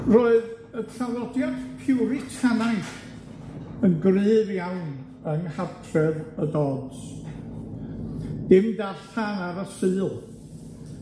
Roedd y traddodiad piwritanaidd yn gryf iawn yng nghartref y Dodds, dim darllan ar y Sul,